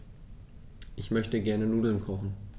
Ich möchte gerne Nudeln kochen.